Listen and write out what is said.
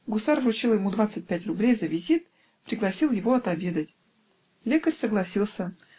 Гусар вручил ему двадцать пять рублей за визит, пригласил его отобедать лекарь согласился